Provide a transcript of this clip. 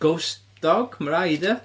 ghost dog? Ma' raid ia?